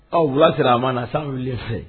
Ɔ wula sera a ma na san wele fɛ